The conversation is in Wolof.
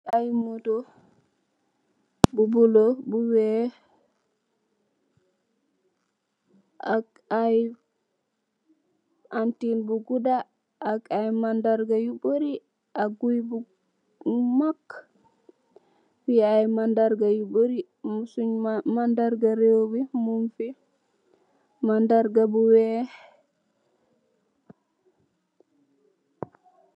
Ay motoh. Bu buloh, bu weah, ak ay antiin bu guda ak ay mandarga yu bori, ak guii bu magg. Yii ay mandarga yu bori. Mandarga rewmi, mungfi. Mandarga bu weah.